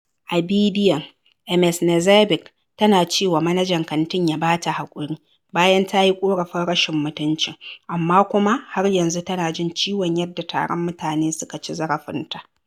A bidiyon, Ms Knezeɓic tana cewa manajan kantin ya ba ta haƙuri bayan ta yi ƙorafin rashin mutuncin, amma kuma har yanzu tana jin ciwon yadda taron mutane suka ci zarafinta.